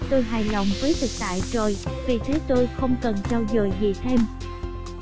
tôi hài lòng với thực tại rồi vì thế tôi không cần trau dồi gì thêm